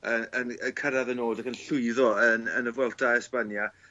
yy yn yn cyrradd y nod ac yn llwyddo yn yn y Vuelta a Espania